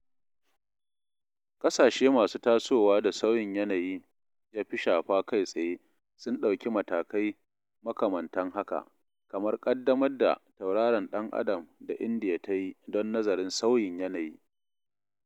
Ƙasashe masu tasowa da sauyin yanayi ya fi shafa kai-tsaye sun ɗauki matakai makamantan haka, kamar ƙaddamar da tauraron ɗan adam da Indiya ta yi don nazarin sauyin yanayi.